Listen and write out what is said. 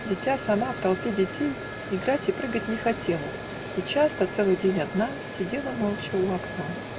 Дитя сама, в толпе детей Играть и прыгать не хотела И часто целый день одна Сидела молча у окна.